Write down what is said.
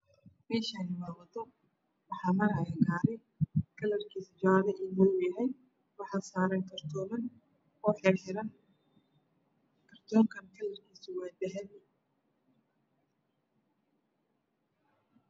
Meshaani waa wado waxaa maraya gari midabkiisu jale iyo madow yahay waxaa saran kartooman oo xirxiran kartonka kalar kiisu waa dahabi